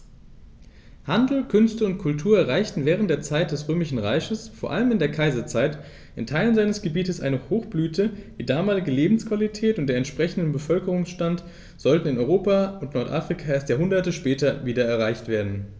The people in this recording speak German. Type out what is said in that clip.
Handel, Künste und Kultur erreichten während der Zeit des Römischen Reiches, vor allem in der Kaiserzeit, in Teilen seines Gebietes eine Hochblüte, die damalige Lebensqualität und der entsprechende Bevölkerungsstand sollten in Europa und Nordafrika erst Jahrhunderte später wieder erreicht werden.